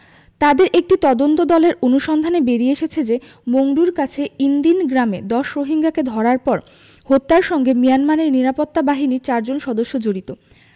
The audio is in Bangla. তাদের একটি তদন্তদলের অনুসন্ধানে বেরিয়ে এসেছে যে মংডুর কাছে ইনদিন গ্রামে ১০ রোহিঙ্গাকে ধরার পর হত্যার সঙ্গে মিয়ানমারের নিরাপত্তা বাহিনীর চারজন সদস্য জড়িত